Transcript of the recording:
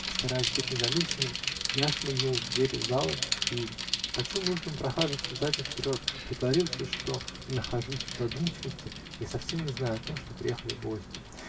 Стараясь быть незамеченным, я шмыгнул в дверь залы и почел нужным прохаживаться взад и вперед, притворившись, что нахожусь в задумчивости и совсем не знаю о том, что приехали гости.